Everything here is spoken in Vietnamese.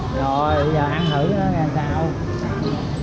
giờ ăn thử coi nó ra sao